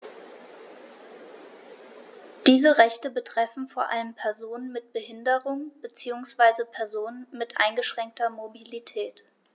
Diese Rechte betreffen vor allem Personen mit Behinderung beziehungsweise Personen mit eingeschränkter Mobilität.